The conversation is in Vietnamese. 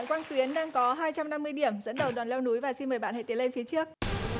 quang tuyến đang có hai trăm năm mươi điểm dẫn đầu đoàn leo núi và xin mời bạn hãy tiến lên phía trước